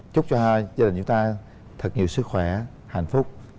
chúc cho hai gia đình chúng ta thật nhiều sức khỏe hạnh phúc